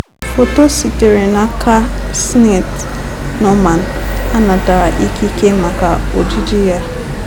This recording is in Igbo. Foto sitere n'aka Syed Noman. A natara ikike maka ojiji ya.